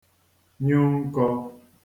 -nyụ nkọ